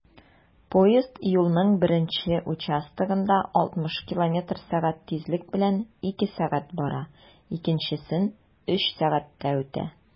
Поезд юлның беренче участогында 60 км/сәг тизлек белән 2 сәг. бара, икенчесен 3 сәгатьтә үтә.